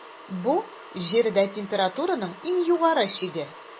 Бу - Җирдә температураның иң югары чиге.